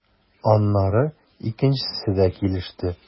Аннары икенчесе дә килеште.